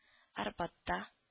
Арбатта